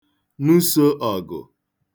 nụsō ọ̀gụ̀